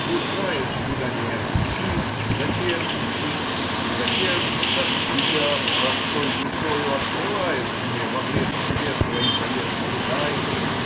не знает, куда меня мчит, зачем мчит и зачем, как дитя простой душою, открывает мне, во вред себе, свои заветные тайны.